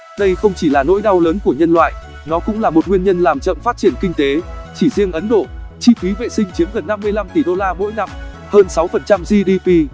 đây không chỉ là nỗi đau lớn của nhân loại nó cũng là một nguyên nhân làm chậm phát triển kinh tế chỉ riêng ấn độ chi phí vệ sinh chiếm gần tỷ đô la mỗi năm hơn phần trăm gdp